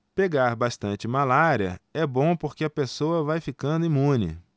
pegar bastante malária é bom porque a pessoa vai ficando imune